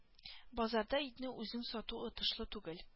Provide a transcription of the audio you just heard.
Базарда итне үзең сату отышлы түгел